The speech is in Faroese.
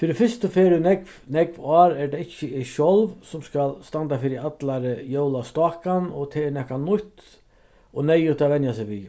fyri fyrstu ferð í nógv nógv ár er tað ikki eg sjálv sum skal standa fyri allari jólastákan og tað er nakað nýtt og neyðugt at venja seg við